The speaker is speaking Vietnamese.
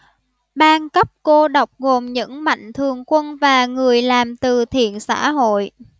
ban cấp cô độc gồm những mạnh thường quân và người làm từ thiện xã hội